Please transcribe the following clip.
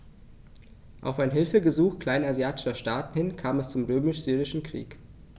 Auf ein Hilfegesuch kleinasiatischer Staaten hin kam es zum Römisch-Syrischen Krieg.